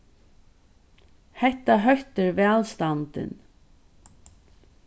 hetta hóttir vælstandin